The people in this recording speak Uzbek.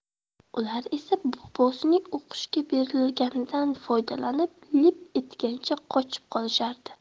ular esa bobosining o'qishga berilganidan foydalanib lip etgancha qochib qolishardi